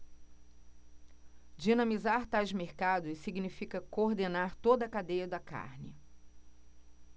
dinamizar tais mercados significa coordenar toda a cadeia da carne